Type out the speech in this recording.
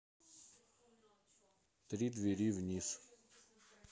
три двери вниз